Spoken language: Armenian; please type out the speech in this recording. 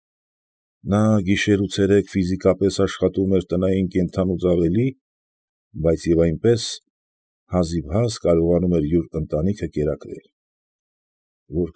Նա գիշեր ու ցերեկ ֆիզիկապես աշխատում էր տնային կենդանուց ավելի, բայց և այնպես, հազիվհազ կարողանում յուր ընտանիքը կերակրել։